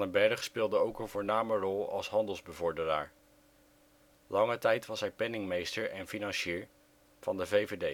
Bergh speelde ook een voorname rol als handelsbevorderaar. Lange tijd was hij penningmeester en financier van de VVD